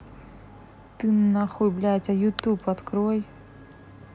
ты нахуй блядь youtube открой